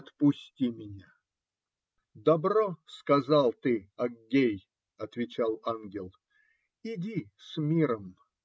Отпусти меня - Добро сказал ты, Аггей, - отвечал ангел. - Иди с миром!